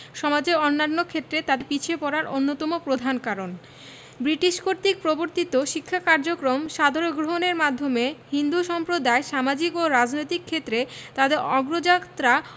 সমাজের অন্যান্য ক্ষেত্রে তাদের পিছিয়ে পড়ার অন্যতম প্রধান কারণ ব্রিটিশ কর্তৃক প্রবর্তিত শিক্ষা কার্যক্রম সাদরে গ্রহণের মাধ্যমে হিন্দু সম্প্রদায় সামাজিক ও রাজনৈতিক ক্ষেত্রে তাদের অগ্রযাত্রা